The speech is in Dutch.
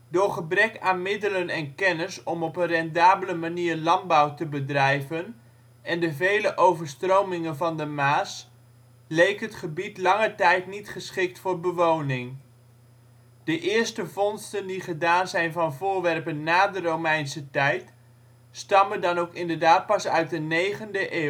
Door gebrek aan middelen en kennis om op een rendabele manier landbouw te bedrijven en door de vele overstromingen van de Maas leek het gebied lange tijd niet geschikt voor bewoning. De eerste vondsten die gedaan zijn van voorwerpen na de Romeinse tijd stammen dan ook inderdaad pas uit de negende eeuw